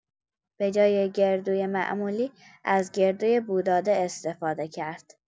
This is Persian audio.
به‌جای گردوی معمولی، از گردوی بو داده استفاده کرد.